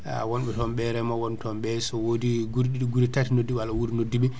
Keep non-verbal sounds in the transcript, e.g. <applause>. <hesitation> wonɓe ton ɓe remo wontoɓe so wodi guurée ɗiɗi gurée tati noddi walla wuuro noddiɓe